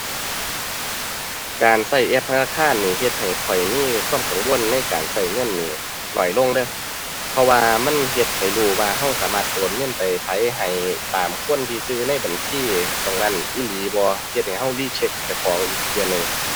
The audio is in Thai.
การใช้แอปธนาคารนี้ เฮ็ดให้ข้อยมีความกังวลในการใช้เงินนี้ น้อยลงเด้อ เพราะว่ามันเฮ็ดให้รู้ว่า ใช้สามารถโอนเงินไปให้ไผ ให้ตามคนที่ใช้ในบัญชีตรงนั้นอีหลีบ่ เฮ็ดให้ใช้ recheck เจ้าของอีกเที่ยหนึ่ง